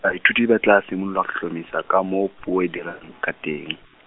baithuti ba tla simolola tlhotlhomisa ka moo, puo e dirang ka teng.